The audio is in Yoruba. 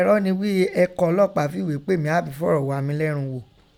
Ẹrọ́ ni ghí ẹkọ̀ ọlọ́pàá fìghé pè mí àbí fọ̀rọ̀ ghá mi lẹ́run ghò